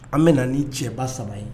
An bɛna na ni cɛ saba ye